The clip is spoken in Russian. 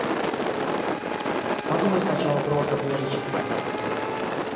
подумай сначала просто прежде чем сказать